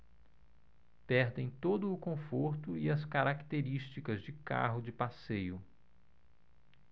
perdem todo o conforto e as características de carro de passeio